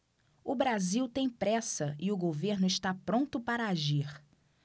o brasil tem pressa e o governo está pronto para agir